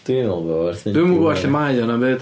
Dwi'n meddwl bo'... Dwi'm yn gwbod lle mae o neu'm byd.